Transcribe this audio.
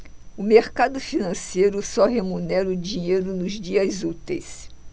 o mercado financeiro só remunera o dinheiro nos dias úteis